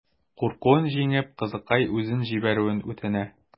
Куркуын җиңеп, кызыкай үзен җибәрүен үтенә.